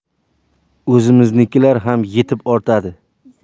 o'zimiznikilar ham yetib ortadi